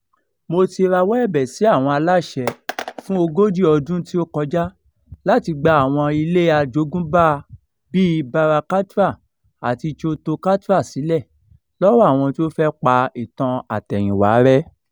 Mo ti rawọ́ ẹ̀bẹ̀ sí àwọn aláṣẹ fún ogójì ọdún tí ó kọjá láti gba àwọn ilé àjogúnbá bíi Bara Katra àti Choto Katra sílẹ̀ lọ́wọ́ àwọn tí ó fẹ́ pa ìtàn àtẹ̀yìnwá rẹ́.